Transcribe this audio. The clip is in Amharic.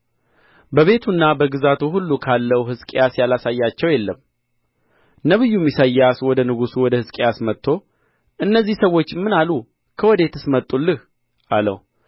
በቤቱና በግዛቱ ሁሉ ካለው ሕዝቅያስ ያላሳያቸው የለም ነቢዩም ኢሳይያስ ወደ ንጉሡ ወደ ሕዝቅያስ መጥቶ እነዚህ ሰዎች ምን አሉ ከወዴትስ መጡልህ አለው